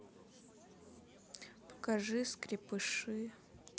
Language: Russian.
покажи скрепыши